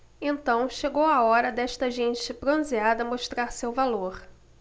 então chegou a hora desta gente bronzeada mostrar seu valor